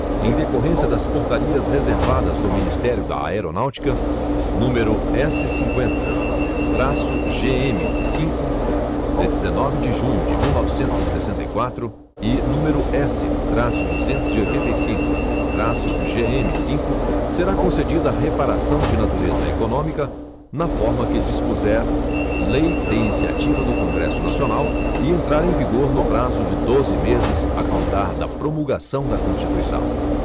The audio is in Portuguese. em decorrência das portarias reservadas do ministério da aeronáutica número s cinqüenta traço gm cinco de dezenove de junho de mil novecentos e sessenta e quatro e número s traço duzentos e oitenta e cinco traço gm cinco será concedida reparação de natureza econômica na forma que dispuser lei de iniciativa do congresso nacional e entrar em vigor no prazo de doze meses a contar da promulgação da constituição